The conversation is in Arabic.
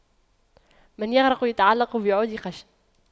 من يغرق يتعلق بعود قش